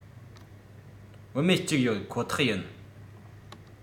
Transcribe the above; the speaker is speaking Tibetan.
བུད མེད གཅིག ཡོད ཁོ ཐག ཡིན